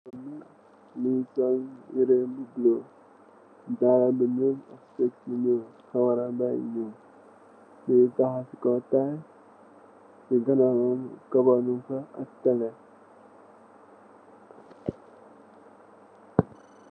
Gegai ki mu sul yerai bu blue dala bu nuu sepse yi nuu kawaran bi mu yei nuu mu nei tahawei si kaw teli si ganawan carbou mon fa ak tely